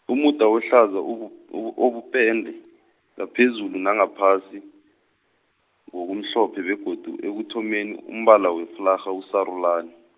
umuda ohlaza ubu- ubu- ubupente, ngaphezulu nangaphasi, ngokumhlophe begodu ekuthomeni umbala weflarha usarulani.